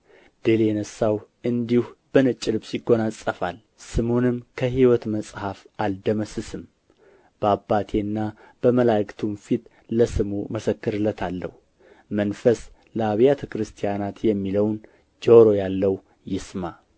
ድል የነሣው እንዲሁ በነጭ ልብስ ይጐናጸፋል ስሙንም ከሕይወት መጽሐፍ አልደመስስም በአባቴና በመላእክቱም ፊት ለስሙ እመሰክርለታለሁ መንፈስ ለአብያተ ክርስቲያናት የሚለውን ጆሮ ያለው ይስማ